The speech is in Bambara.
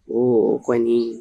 O o kɔni